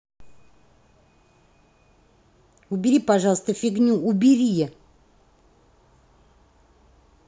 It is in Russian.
убери пожалуйста фигню убери